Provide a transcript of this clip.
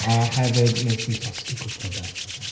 A hefyd wnes i llosgi cwpl o bethau 'na.